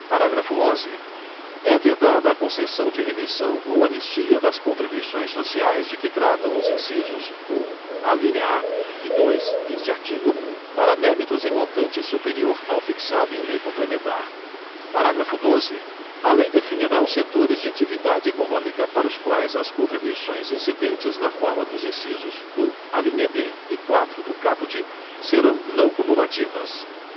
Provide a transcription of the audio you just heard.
parágrafo onze é vedada a concessão de remissão ou anistia das contribuições sociais de que tratam os incisos um alínea a e dois deste artigo para débitos em montante superior ao fixado em lei complementar parágrafo doze a lei definirá os setores de atividade econômica para os quais as contribuições incidentes na forma dos incisos um alínea b e quatro do caput serão não cumulativas